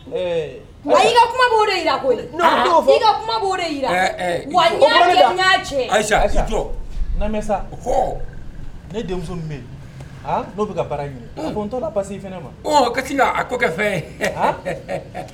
I ka kuma de jira ko fɔ i ka jira cɛ ayi ayi jɔ ne denmuso bɛ dɔw bɛ ka baara ɲini ko ntɔ basi ma ka a ko kɛ fɛn